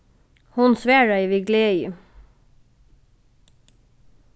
hon svaraði við gleði